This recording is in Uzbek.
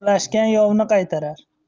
birlashgan yovni qaytarar